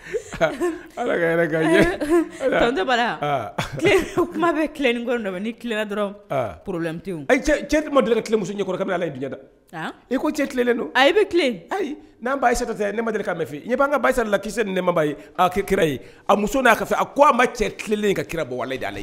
Ni dɔrɔn poro cɛ tɛ ma deli kimuso ɲɛ ala da i ko cɛlen don a bɛ tilen ayi'an ba ne ma deli k'a fɛ i b'an ka ba lakisɛse ni ne kira a muso n'a fɛ ko a ma cɛ tile ka kira bɔ